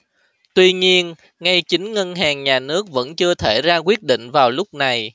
tuy nhiên ngay chính ngân hàng nhà nước vẫn chưa thể ra quyết định vào lúc này